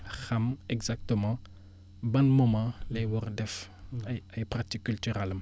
xam exactement ban moment lay war a def ay ay ay pratiques culturales am